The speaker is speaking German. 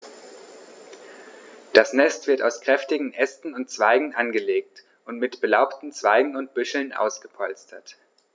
Das Nest wird aus kräftigen Ästen und Zweigen angelegt und mit belaubten Zweigen und Büscheln ausgepolstert.